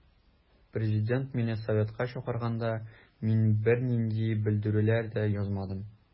Президент мине советка чакырганда мин бернинди белдерүләр дә язмадым.